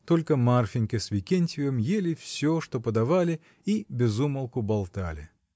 Только Марфинька с Викентьевым ели всё, что подавали, и без умолку болтали.